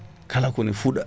kala kena fuuɗa